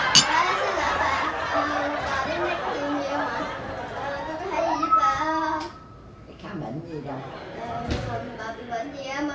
ah xin lỗi xin lỗi bà đến đây có chuyện gì không ạ tôi có thể giúp gì được bà đi khám bệnh chứ đi đâu à nhưng bà bệnh gì